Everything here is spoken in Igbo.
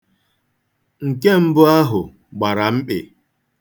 Nke mbụ ahụ gbara mkpị.